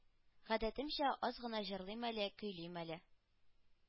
Гадәтемчә аз гына җырлыйм әле, көйлим әле.